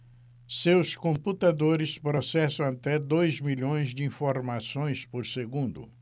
seus computadores processam até dois milhões de informações por segundo